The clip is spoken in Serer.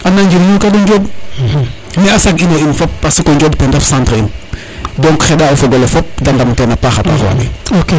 ana njiriñu ka o Njob mais a sag ino in fop parce que o Njomb ten ref centre in donc xeɗa o fogole fop de ndam tena paaxa paax Waly